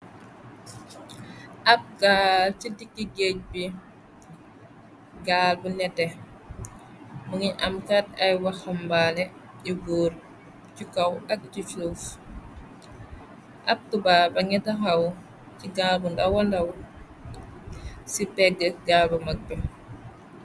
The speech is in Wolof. Ahb gaal ci diggi géej bi, gaal bu nehteh, mungy am cat ay waxambaneh yu gorre, chi kaw ak chi suff, ahb tubab gahngui takhaw chi gaal bu ndaw wa ndaw, ci pegg gaal bu mag bii.